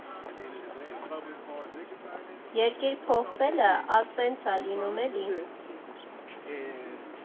Երկիր փոխվելը ա սենց ա լինում էլի։